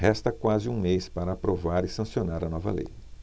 resta quase um mês para aprovar e sancionar a nova lei